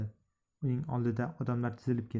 uning oldida odamlar tizilib ketdi